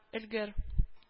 Өлгер